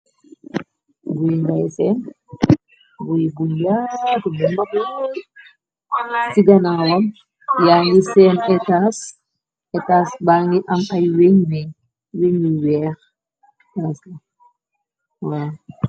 Li maay seen gooi bu yaatu bu maag lool ci ganawam yaa ngi seen etaas etaas bagi am ay weñg weng yu weex waw.